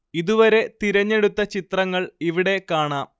ഇതുവരെ തിരഞ്ഞെടുത്ത ചിത്രങ്ങൾ ഇവിടെ കാണാം